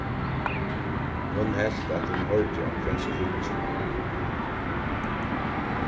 hon helt at hon hoyrdi onkran skríggja